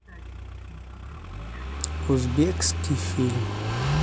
узбекский фильм